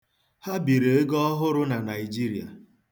Ha biri ego ọhụrụ na Naịjirịa.